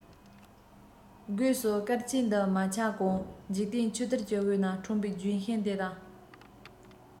སྒོས སུ སྐལ ཆེན འདི མ ཆགས གོང འཇིག རྟེན ཆུ གཏེར གྱི དབུས ན འཁྲུངས པའི ལྗོན ཤིང དེ དང